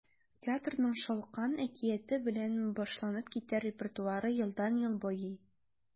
Театрның “Шалкан” әкияте белән башланып киткән репертуары елдан-ел байый.